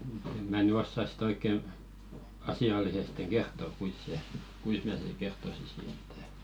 en minä nyt osaa sitä oikein asiallisesti kertoa kuinka se kuinka minä sen sitten kertoisin että